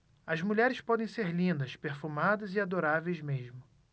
as mulheres podem ser lindas perfumadas e adoráveis mesmo